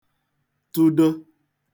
tụdo